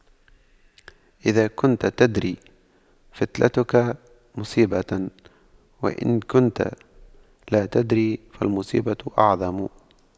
إذا كنت تدري فتلك مصيبة وإن كنت لا تدري فالمصيبة أعظم